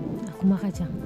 A kun makan ka ca